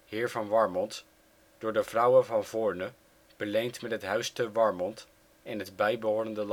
heer van Warmond, door de Vrouwe van Voorne beleend met het Huys te Warmont en het bijbehorende land